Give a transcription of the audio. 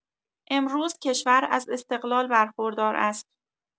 امروز کشور از استقلال برخوردار است.